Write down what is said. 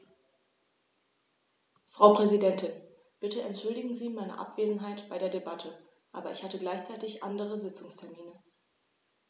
Frau Präsidentin, bitte entschuldigen Sie meine Abwesenheit bei der Debatte, aber ich hatte gleichzeitig andere Sitzungstermine.